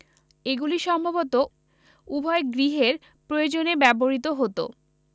এগুলি সম্ভবত উভয় গৃহের প্রয়োজনে ব্যবহৃত হতো